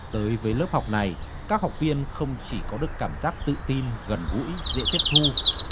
tới với lớp học này các học viên không chỉ có được cảm giác tự tin gần gũi dễ tiếp thu